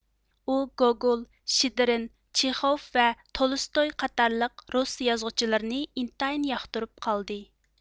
ئۇ گوگول شېدرىن چېخوف ۋە تولستوي قاتارلىق رۇس يازغۇچىلىرىنى ئىنتايىن ياقتۇرۇپ قالدى